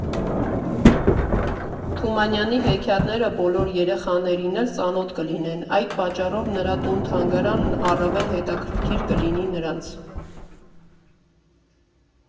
Թումանյանի հեքիաթները բոլոր երեխաներին էլ ծանոթ կլինեն, այդ պատճառով նրա տուն֊թանգարանն առավել հետաքրքիր կլինի նրանց։